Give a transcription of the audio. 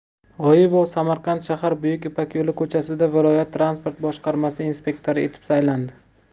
g'oibov samarqand shahar buyuk ipak yo'li ko'chasida viloyat transport boshqarmasi inspektori etib saylandi